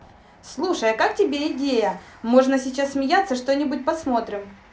слушай а как тебе идея можно сейчас смеяться что нибудь посмотрим